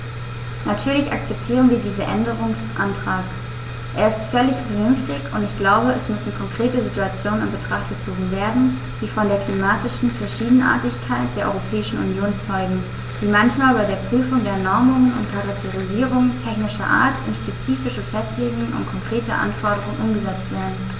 Natürlich akzeptieren wir diesen Änderungsantrag, er ist völlig vernünftig, und ich glaube, es müssen konkrete Situationen in Betracht gezogen werden, die von der klimatischen Verschiedenartigkeit der Europäischen Union zeugen, die manchmal bei der Prüfung der Normungen und Charakterisierungen technischer Art in spezifische Festlegungen und konkrete Anforderungen umgesetzt werden.